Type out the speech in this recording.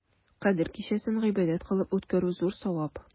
Кадер кичәсен гыйбадәт кылып үткәрү зур савап.